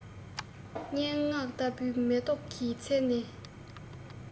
སྙན ངག ལྟ བུའི མེ ཏོག གི ཚལ ནས